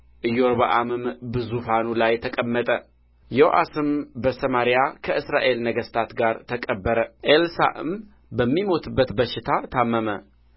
ኢዮርብዓምም በዙፋኑ ላይ ተቀመጠ ዮአስም በሰማርያ ከእስራኤል ነገሥታት ጋር ተቀበረ ኤልሳዕም በሚሞትበት በሽታ ታመመ